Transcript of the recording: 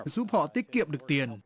giúp họ tiết kiệm được tiền